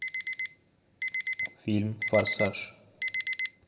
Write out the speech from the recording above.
фильм форсаж